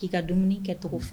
K'i ka dumuni kɛcogo faga